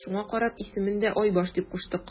Шуңа карап исемен дә Айбаш дип куштык.